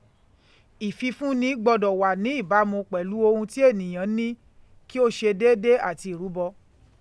Ìfìfúnni gbọ́dọ̀ wà ní ìbámu pẹ̀lú ohun tí ènìyàn ní, kí ó ṣe déédé àti ìrúbọ.